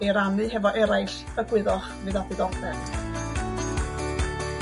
ei ranu hefo eraill y gwyddoch .